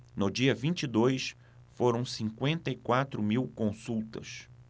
no dia vinte e dois foram cinquenta e quatro mil consultas